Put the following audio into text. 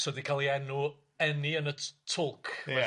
So 'di ca'l ei enw eni yn y t- twlc. Ia.